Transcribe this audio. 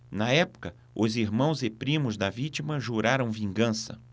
na época os irmãos e primos da vítima juraram vingança